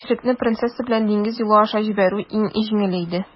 Илчелекне принцесса белән диңгез юлы аша җибәрү иң җиңеле иде.